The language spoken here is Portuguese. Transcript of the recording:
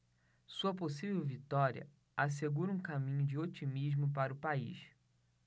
sua possível vitória assegura um caminho de otimismo para o país